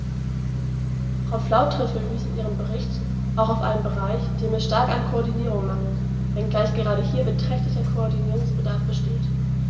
Frau Flautre verwies in ihrem Bericht auch auf einen Bereich, dem es stark an Koordinierung mangelt, wenngleich gerade hier beträchtlicher Koordinierungsbedarf besteht.